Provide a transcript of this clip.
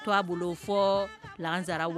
To aa bolo fɔ lasara